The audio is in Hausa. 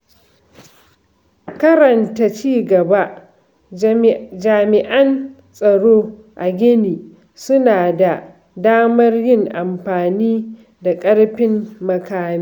Karanta cigaba: Jami'an tsaro a Gini su na da damar yin amfani da ƙarfin makami.